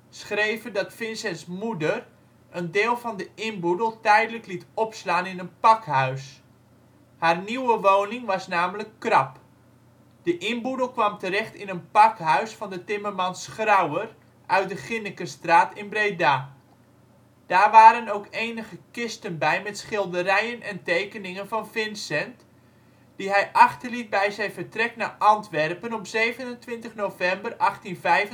schreven dat Vincents moeder een deel van de inboedel tijdelijk liet opslaan in een pakhuis. Haar nieuwe woning was namelijk krap. De inboedel kwam terecht in een pakhuis van de timmerman Schrauer uit de Ginnekenstraat in Breda. Daar waren ook enige kisten bij met schilderijen en tekeningen van Vincent, die hij achterliet bij zijn vertrek naar Antwerpen op 27 november 1885